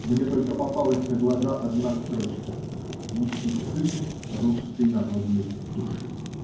Мне только попалась на глаза одна строчка: "Мистицизм русской народной души".